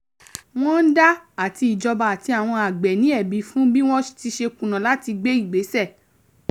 Wọ́n ń dá àti ìjọba àti àwọn àgbẹ̀ ní ẹ̀bi fún bí wọ́n ti ṣe kùnà láti gbé ìgbésẹ̀.